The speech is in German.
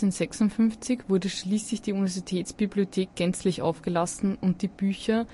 1756 wurde schließlich die Universitätsbibliothek gänzlich aufgelassen und die Bücher